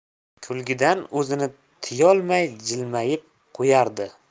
kulgidan o'zini tiyolmay jilmayib qo'yardi